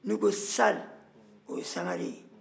n'u ko sali o ye sangare ye